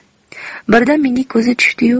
birdan menga ko'zi tushdi yu